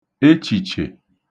echìchè